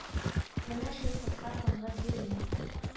Менә шул кызга тынгы бирми